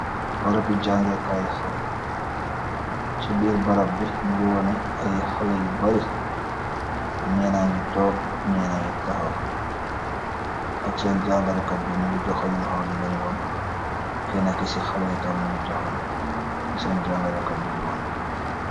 Barabi jaangeh kaii haleh, chi birr barabi njungy woneh aiiy haleh yu bari, njehnah ngi tok njenah yii takhaw, ak sen jangaleh kat bi mungy johungh lokhor dilen won, kenah kii ci haleh yii tam mungy johungh lu sen jaangah leh kat bi di won.